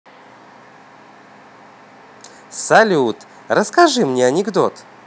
салют расскажи мне анекдот